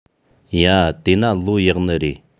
ཡ དེ ན ལོ ཡག ནི རེད